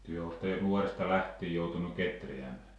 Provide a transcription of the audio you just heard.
te olette nuoresta lähtien joutunut kehräämään